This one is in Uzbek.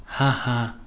xa xa